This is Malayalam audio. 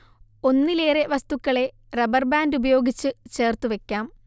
ഒന്നിലെറെ വസ്തുക്കളെ റബർ ബാൻഡ് ഉപയോഗിച്ച് ചേർത്തു വയ്ക്കാം